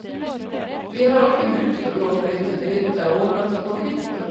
Vi har alltid brukt å gå fra hytte til hytte og overnatta på hyttene.